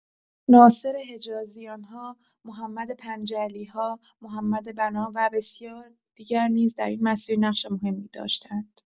ناصر حجازیان‌ها، محمد پنجعلی‌ها، محمد بنا و بسیاری دیگر نیز در این مسیر نقش مهمی داشته‌اند.